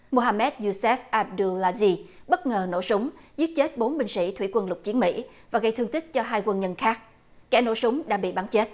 mô ha mét diu xép a đu la di bất ngờ nổ súng giết chết bốn binh sĩ thủy quân lục chiến mỹ và gây thương tích cho hai quân nhân khác kẻ nổ súng đã bị bắn chết